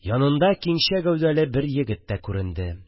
Янында киңчә гәүдәле бер егет тә күренде